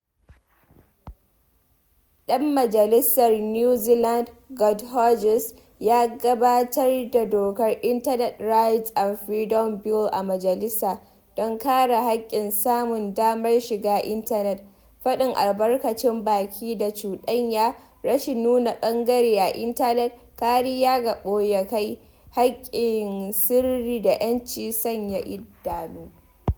Dan majalisar New Zealand, Garth Hughes, ya gabatar da dokar Internet Rights and Freedoms Bill a majalisa, don kare haƙƙin samun damar shiga intanet, faɗin albarkacin baki da cuɗanya, rashin nuna ɓangare a intanet, kariya ga ɓoye kai, haƙƙin sirri da 'yancin sanya idanu.